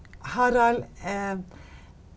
Harald .